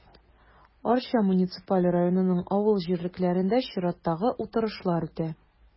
Арча муниципаль районының авыл җирлекләрендә чираттагы утырышлар үтә.